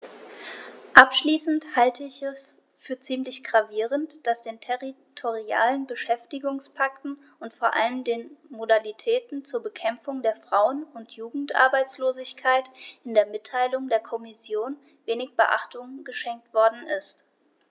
Abschließend halte ich es für ziemlich gravierend, dass den territorialen Beschäftigungspakten und vor allem den Modalitäten zur Bekämpfung der Frauen- und Jugendarbeitslosigkeit in der Mitteilung der Kommission wenig Beachtung geschenkt worden ist.